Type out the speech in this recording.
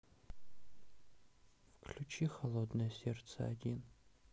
включи холодное сердце один